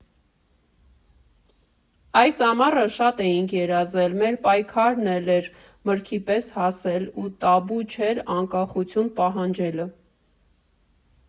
Այս ամառը շատ էինք երազել, մեր պայքարն էլ էր մրգի պես հասել, ու տաբու չէր Անկախություն պահանջելը։